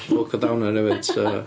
Ffwc o downer hefyd so...